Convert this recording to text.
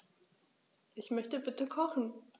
Ich möchte bitte kochen.